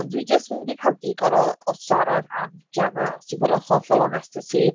Yym ond dwi jyst wedi cael digon o o siarad am Gemma os dwi'n bod yn hollol honest 'da ti.